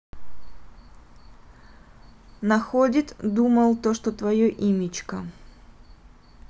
находит думал то что твое имечко